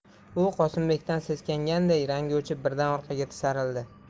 u qosimbekdan seskanganday rangi o'chib birdan orqaga tisarildi